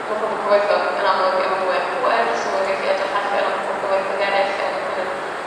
A ma' pobol cyfoethog yn amlwg efo mwy o pŵer so ma' nw'n gallu edrych allan am bobol gyfoethog eryll a ma' nw'n kin' of